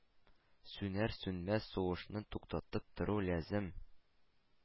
Сүнәр-сүнмәс сугышны туктатып тору ләзем.